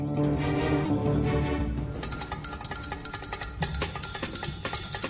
music